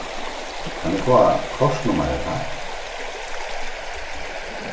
kann eg fáa kortnummarið takk